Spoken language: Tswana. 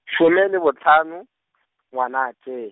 some le botlhano , Ngwanatse-.